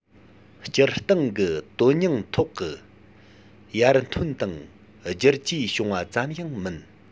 སྤྱིར བཏང གི དོན སྙིང ཐོག གི ཡར ཐོན དང བསྒྱུར བཅོས བྱུང བ ཙམ ཡང མིན